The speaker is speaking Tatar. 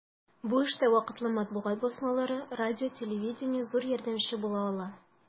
Бу эштә вакытлы матбугат басмалары, радио-телевидение зур ярдәмче була ала.